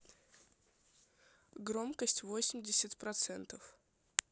громкость восемьдесят процентов